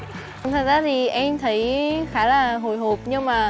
thật ra thì em thấy khá là hồi hộp nhưng mà